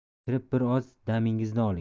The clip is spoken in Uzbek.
kirib bir oz damingizni oling